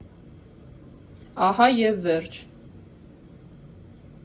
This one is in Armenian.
Ահա և վերջ։